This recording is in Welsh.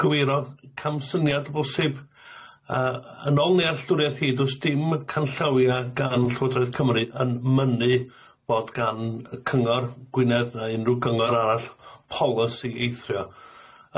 cywiro camsyniad bosib yy yn ôl neallwriaeth hi do's dim canllawia gan Llywodraeth Cymru yn mynnu bod gan y Cyngor Gwynedd na unrhyw gyngor arall polisi eithrio.